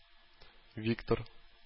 Виктор